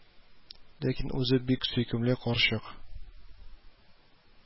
Ләкин үзе бик сөйкемле карчык